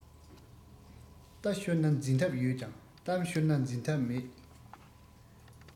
རྟ ཤོར ན འཛིན ཐབས ཡོད ཀྱང གཏམ ཤོར ན འཛིན ཐབས མེད